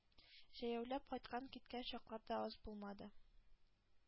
Җәяүләп кайткан-киткән чаклар да аз булмады.